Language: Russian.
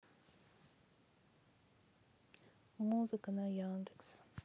музыка не яндекс